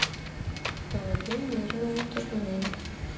тролли мировое турне